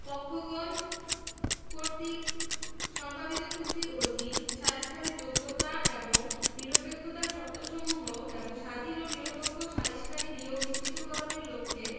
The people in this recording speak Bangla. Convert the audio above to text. পক্ষগণ কর্তৃক সম্পাদিত চুক্তির অধীন সালিসকারীর যোগ্যতা এবং নিরপেক্ষতার শর্তসমূহ এবং স্বাধীন ও নিরপেক্ষ সালিসকারী নিয়োগ নিশ্চিতকরণের লক্ষ্যে